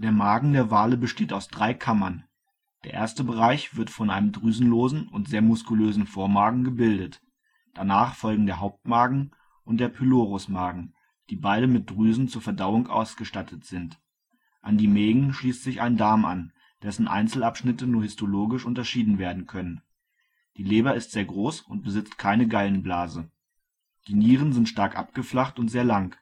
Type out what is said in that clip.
Magen der Wale besteht aus drei Kammern. Der erste Bereich wird von einem drüsenlosen und sehr muskulösen Vormagen gebildet (der bei den Schnabelwalen fehlt), danach folgen der Hauptmagen und der Pylorusmagen, die beide mit Drüsen zur Verdauung ausgestattet sind. An die Mägen schließt sich ein Darm an, dessen Einzelabschnitte nur histologisch unterschieden werden können. Die Leber ist sehr groß und besitzt keine Gallenblase. Die Nieren sind stark abgeflacht und sehr lang